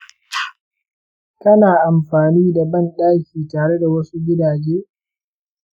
kana amfani da banɗaki tare da wasu gidaje?